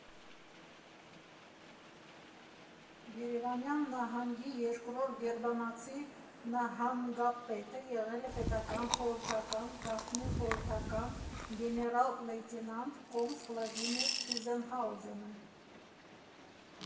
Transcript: Երևանյան նահանգի երկրորդ գերմանացի նահանգապետը եղել է պետական խորհրդական, գաղտնի խորհրդական, գեներալ֊լեյտենանտ, կոմս Վլադիմիր Տիզենհաուզենը։